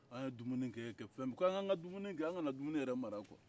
an ye dumuni kɛ k'an k'an ka dumuni an kana dumuni yɛrɛ mara kuwa